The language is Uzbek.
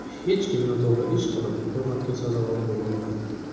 hech kim noto'g'ri ish qilib hurmatga sazovor bo'lolmaydi